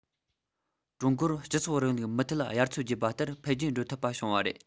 ཀྲུང གོར སྤྱི ཚོགས རིང ལུགས མུ མཐུད དབྱར མཚོ རྒྱས པ ལྟར འཕེལ རྒྱས འགྲོ ཐུབ པ བྱུང བ རེད